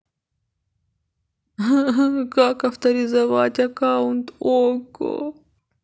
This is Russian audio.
как авторизовать аккаунт окко